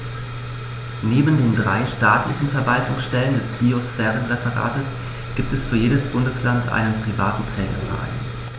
Neben den drei staatlichen Verwaltungsstellen des Biosphärenreservates gibt es für jedes Bundesland einen privaten Trägerverein.